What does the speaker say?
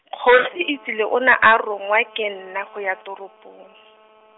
Kgosietsile o ne a rongwa ke nna go ya teropong.